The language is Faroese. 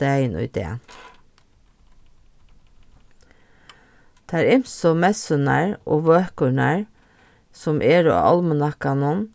dagin í dag tær ymsu messurnar og vøkurnar sum eru á álmanakkanum